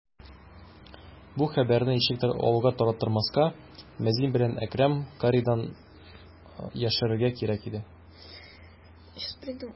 Бу хәбәрне ничектер авылга тараттырмаска, мәзин белән Әкрәм каридан яшерергә кирәк иде.